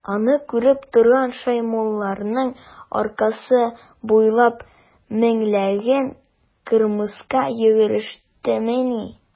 Аны күреп торган Шәймулланың аркасы буйлап меңләгән кырмыска йөгерештемени.